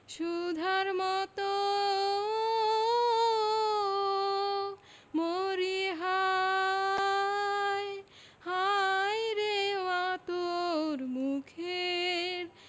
সুধার মতো মরিহায় হায়রে মা তোর মা তোর মুখের